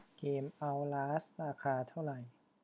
เกมเอ้าลาสราคาเท่าไหร่